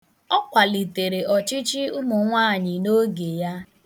Ọ kwalitere ọchịchị ụmụnwaanyị n'oge ya.